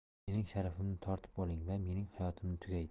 mening sharafimni tortib oling va mening hayotim tugaydi